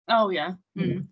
O ie, mm.